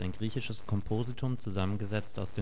griechisches Kompositum zusammengesetzt aus